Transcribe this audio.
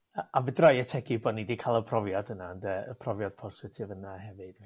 A a fedra i ategi bo' ni 'di ca'l y profiad yna ynde y profiad positif yna hefyd.